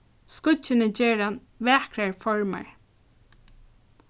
skýggini gera vakrar formar